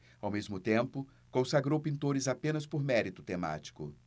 ao mesmo tempo consagrou pintores apenas por mérito temático